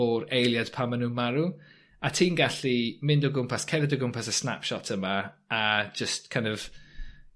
o'r eiliad pan ma' nw'n marw. A ti'n gallu mynd o gwmpas cerdded o gwmpas y snapshot yma a jyst kin' of